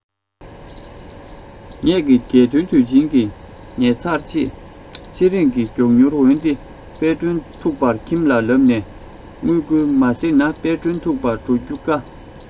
ངས ཀྱི རྒྱལ སྟོན དུས ཆེན གྱི ངལ ཚར རྗེས ཚེ རིང གི མགྱོགས མྱུར འོན ཏེ དཔལ སྒྲོན ཐུགས པར ཁྱིམ ལ ལབ ནས དངུལ བསྐུར མ ཟེར ན དཔལ སྒྲོན ཐུགས པར འགྲོ རྒྱུ དཀའ